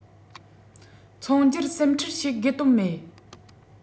འཚོང རྒྱུར སེམས ཁྲལ བྱེད དགོས དོན མེད